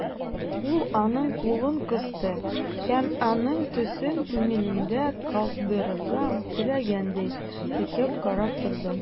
Ул аның кулын кысты һәм, аның төсен күңелендә калдырырга теләгәндәй, текәп карап торды.